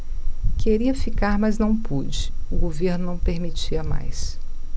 queria ficar mas não pude o governo não permitia mais